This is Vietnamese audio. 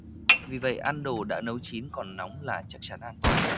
vì vậy ăn đồ đã nấu chín còn nóng là chắc chắn an toàn